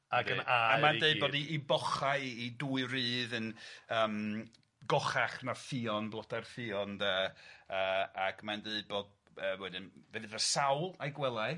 ag yn aur i gyd. A mae'n deud bod 'i 'i bochau 'i 'i dwy rhydd yn yym gochach na'r ffïon, blodau'r ffïon de yy ac mae'n deud bod yy wedyn fe fydd y sawl a'i gwelai